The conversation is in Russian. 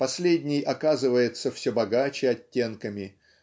последний оказывается все богаче оттенками